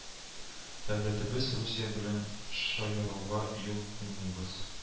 Дәүләтебез Русия белән шаяруга юл куймыйбыз